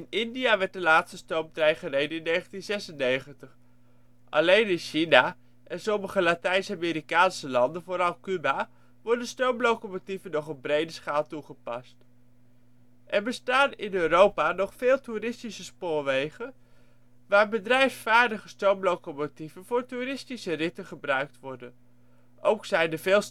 India werd de laatste stoomtrein gereden in 1996. Alleen in China en sommige Latijns-Amerikaanse landen (vooral Cuba) worden stoomlocomotieven nog op brede schaal toegepast. Er bestaan in Europa nog veel toeristische spoorwegen, waar bedrijfsvaardige stoomlocomotieven voor toeristische ritten gebruikt worden. Ook zijn er veel stoomlocomotieven